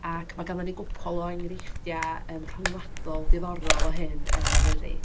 Ac mae ganddyn ni gwpwl o enghreifftiau yym rhwngwladol diddorol o hyn yn Eryri.